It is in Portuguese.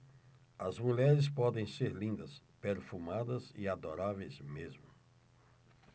as mulheres podem ser lindas perfumadas e adoráveis mesmo